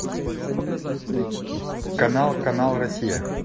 канал канал россия